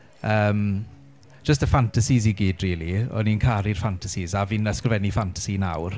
Yym jyst y fantasies i gyd rili. O'n i'n caru'r fantasies a fi'n ysgrifennu ffantasi nawr.